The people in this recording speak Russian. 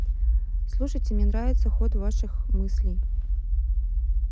слушайте мне нравится ход ваших мыслей